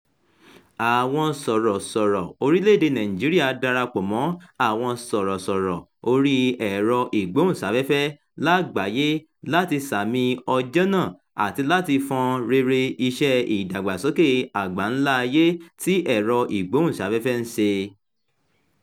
Àwọn sọ̀rọ̀sọ̀rọ̀-ọ orílẹ̀-èdèe Nàìjíríà darapọ̀ mọ́ àwọn sọ̀rọ̀sọ̀rọ̀ orí ẹ̀rọ-ìgbóhùnsáfẹ́fẹ́ lágbàáyé láti sààmì ọjọ́ náà àti láti fọn rere iṣẹ́ ìdàgbàsókè àgbà-ńlá ayé tí ẹ̀rọ-ìgbóhùnsáfẹ́fẹ́ ń ṣe.